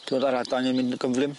Ti weld yr adain yn mynd y' gyflym?